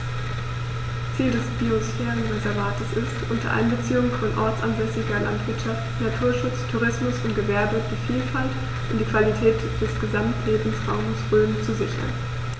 Ziel dieses Biosphärenreservates ist, unter Einbeziehung von ortsansässiger Landwirtschaft, Naturschutz, Tourismus und Gewerbe die Vielfalt und die Qualität des Gesamtlebensraumes Rhön zu sichern.